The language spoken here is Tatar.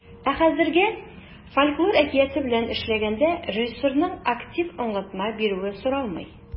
Ә хәзергә фольклор әкияте белән эшләгәндә режиссерның актив аңлатма бирүе соралмый.